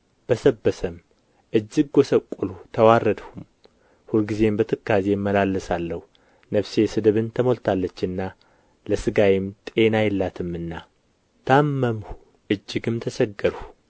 በሰበሰም እጅግ ጐሰቈልሁ ተዋረድሁም ሁልጊዜም በትካዜ እመላለሳለሁ ነፍሴ ስድብን ተሞልታለችና ለሥጋዬም ጤና የላትምና ታመምሁ እጅግም ተቸገርሁ